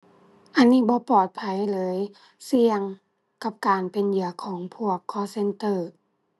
อันนี้บ่ปลอดภัยเลย เสี่ยงกับการเป็นเหยื่อของพวก call center